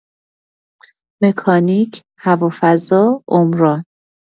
مکانیک، هوافضا، عمران